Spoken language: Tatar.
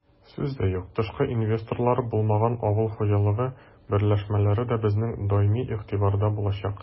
Сүз дә юк, тышкы инвесторлары булмаган авыл хуҗалыгы берләшмәләре дә безнең даими игътибарда булачак.